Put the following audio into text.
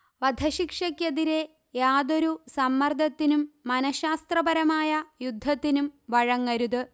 വധശിക്ഷയ്ക്കെതിരായ യാതൊരു സമ്മർദത്തിനും മനഃശാസ്ത്രപരമായ യുദ്ധത്തിനും വഴങ്ങരുത്